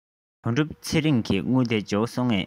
དོན གྲུབ ཚེ རིང གི དངུལ དེ བྱུང སོང ངས